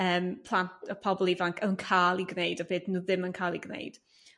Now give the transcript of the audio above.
yrm plant.. Y pobl ifanc yn ca'l 'i gneud â be dyn nhw ddim yn ca'l 'i gneud.